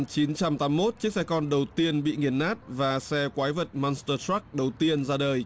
chín trăm tám mốt chứ sài gòn đầu tiên bị nghiền nát và xe quái vật măn tơ trắc đầu tiên ra đời